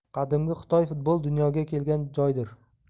qadimgi xitoy futbol dunyoga kelgan joydir